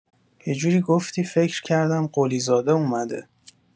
یجوری گفتی فکر کردم قلی زاده اومده